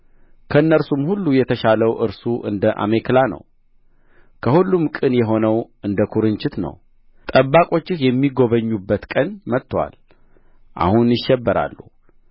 ከእነርሱም ሁሉ የተሻለው እርሱ እንደ አሜከላ ነው ከሁሉም ቅን የሆነው እንደ ኵርንችት ነው ጠባቆችህ የሚጐበኙበት ቀን መጥቶአል አሁን ይሸበራሉ